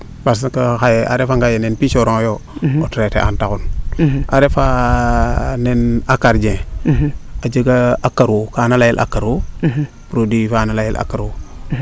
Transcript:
parce que xaye a refa nga nen pichoron yo a traiter aan te xon a refa nen acardien a jega accro kaana leyel accro produit faana leyel accro